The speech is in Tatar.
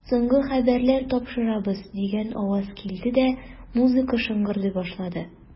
Соңгы хәбәрләр тапшырабыз, дигән аваз килде дә, музыка шыңгырдый башлады.